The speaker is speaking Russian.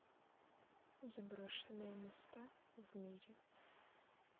заброшенные места в мире